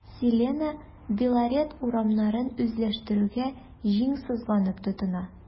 “селена” белорет урманнарын үзләштерүгә җиң сызганып тотына.